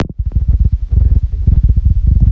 эстетика